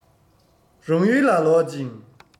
རང ཡུལ ལ ལོག ཅིང